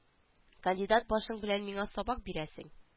Кандидат башың белән миңа сабак бирәсең